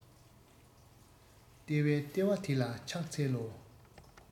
ལྟེ བའི ལྟེ བ དེ ལ ཕྱག འཚལ ལོ